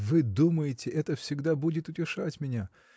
вы думаете, это всегда будет утешать меня?